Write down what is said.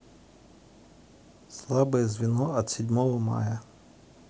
слабое звено от седьмого мая